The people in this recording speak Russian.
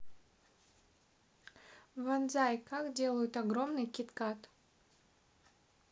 vanzai как делают огромный кит кат